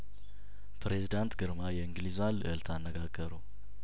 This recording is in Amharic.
ፕሬዚዳንት ግርማ የእንግሊዟን ልእልት አነጋገሩ